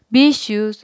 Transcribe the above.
besh yuz